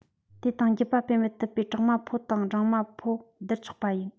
དེ དང རྒྱུད པ སྤེལ ཐུབ པའི གྲོག མ ཕོ དང སྦྲང མ ཕོ བསྡུར ཆོག པ ཡིན